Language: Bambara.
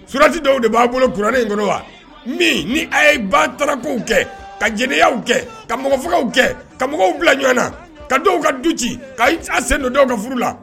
Suurlasi dɔw de b'a bolo kuurannen kɔnɔ wa ni a ye ba taara ko kɛ ka jɛnɛya kɛ ka mɔgɔfaw kɛ ka mɔgɔw bila ɲɔgɔn na ka dɔw ka du ci ka a sen don dɔw ka furu la